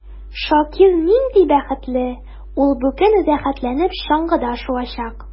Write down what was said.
Шакир нинди бәхетле: ул бүген рәхәтләнеп чаңгыда шуачак.